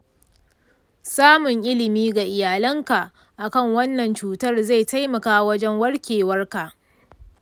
samun ilimi ga iyalinka akan wannan cutar zai taimaka wajen warkewarka.